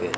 ok